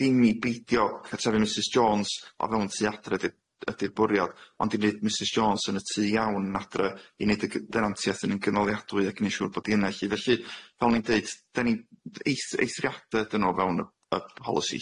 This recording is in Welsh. Dim i beidio cartrefi Misys Jones o fewn tŷ adre de- ydi'r bwriad ond i neud Mrs Jones yn y tŷ iawn yn adre i neud y g- ddrantieth yn yn gynaliadwy ag neud siŵr bod i yna felly felly fel o ni'n deud ei- eithriade ydyn nhw y polisi